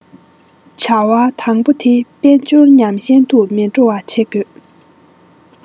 བྱ བ དང པོ དེ དཔལ འབྱོར ཉམས གཞན དུ མི འགྲོ བ བྱེད དགོས